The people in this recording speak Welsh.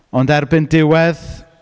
Ond erbyn diwedd...